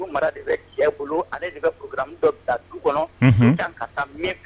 Mara de bɛ cɛ bolo ale derami dɔ bila du kɔnɔ dan ka taa